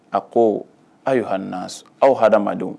A ko aw ye ha aw hadama madenw